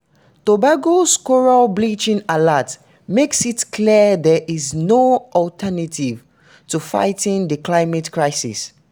Tobago's coral bleaching alert makes it clear there is ‘no alternative’ to fighting the climate crisis